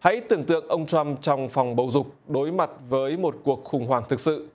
hãy tưởng tượng ông trăm trong phòng bầu dục đối mặt với một cuộc khủng hoảng thực sự